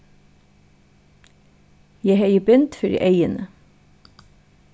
eg hevði bind fyri eyguni